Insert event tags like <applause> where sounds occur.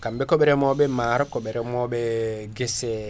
kamɓe koɓe reemoɓe maaro koɓe reemoɓe guesse <hesitation>